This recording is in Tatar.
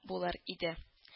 Булыр иде